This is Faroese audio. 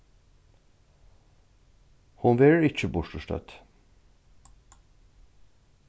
hon verður ikki burturstødd